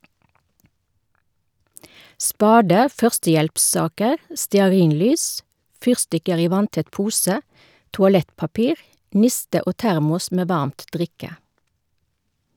Spade, førstehjelpssaker, stearinlys, fyrstikker i vanntett pose, toalettpapir, niste og termos med varmt drikke.